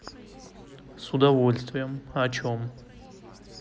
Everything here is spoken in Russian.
с удовольствием о чем